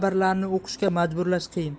xabarlarni o'qishga majburlash qiyin